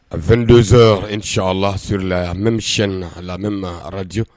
A2 donso n sla sla yan mɛ sɛni na a la mɛ araj